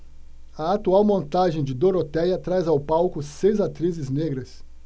a atual montagem de dorotéia traz ao palco seis atrizes negras